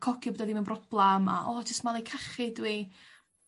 cogio bod o ddim yn broblam a o jyst malu cachu dw i.